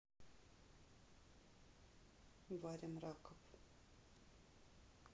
варим раков